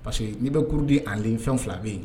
Parce que'i bɛ kuru di ale le fɛn fila bɛ yen